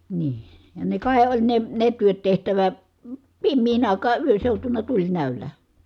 niin ja ne kai oli ne ne työt tehtävä pimeän aikaan yön seutuna tulinäöllä